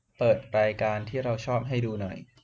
เปิดรายการที่เราชอบให้ดูหน่อย